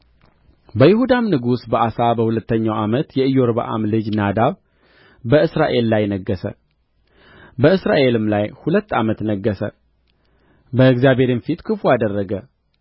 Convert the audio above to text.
በይሁዳም ንጉሥ በአሳ በሁለተኛው ዓመት የኢዮርብዓም ልጅ ናዳብ በእስራኤል ላይ ነገሠ በእስራኤልም ላይ ሁለት ዓመት ነገሠ በእግዚአብሔርም ፊት ክፉ አደረገ